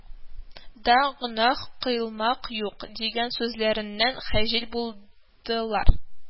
Да гөнаһ кыйлмак юк» дигән сүзләреннән хәҗил булдылар